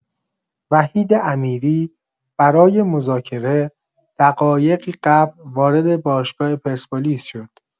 وحید امیری برای مذاکره دقایقی قبل وارد باشگاه پرسپولیس شد.